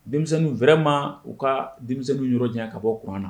Denmisɛnninw wɛrɛ ma u ka denmisɛnninw yɔrɔ jan ka bɔ kuran na